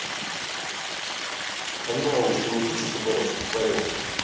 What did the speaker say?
она уже не хочу с тобой разговаривать